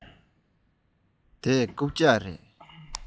འདི རྐུབ བཀྱག རེད